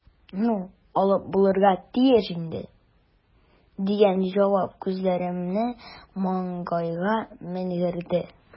"ну, алып булырга тиеш инде", – дигән җавап күзләремне маңгайга менгерде.